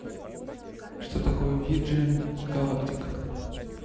что такое virgin galactic